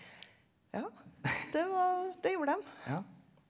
ja det var det gjorde dem.